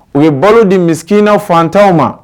U bɛ balo di misiina ftanw ma